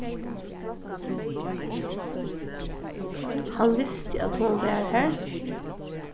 hann visti at hon var har